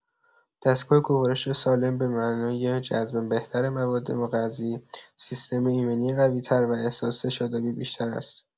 دستگاه گوارش سالم به معنای جذب بهتر مواد مغذی، سیستم ایمنی قوی‌تر و احساس شادابی بیشتر است.